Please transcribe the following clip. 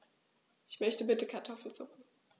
Ich möchte bitte Kartoffelsuppe.